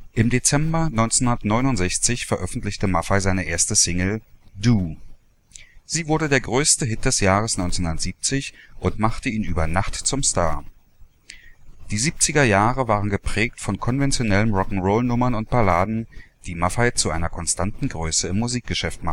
Dezember 1969 veröffentlichte Maffay seine erste Single Du. Sie wurde der größte Hit des Jahres 1970 und machte ihn über Nacht zum Star. Die 1970er Jahre waren geprägt von konventionellen Rock'n'Roll-Nummern und Balladen, die Maffay zu einer konstanten Größe im Musikgeschäft machten